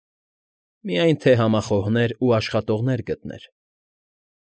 Միայն թե համախոհներ և աշխատողներ գտներ։